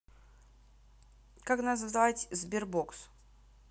как назвать sberbox